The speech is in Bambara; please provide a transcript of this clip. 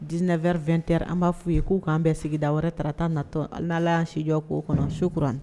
Diinɛ22tter an b'a f fɔ ye kou k'an bɛɛ sigida wɛrɛ taarata natɔ na sidijɔ ko kɔnɔ sokuranran